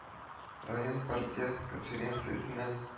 Район партия конференциясенә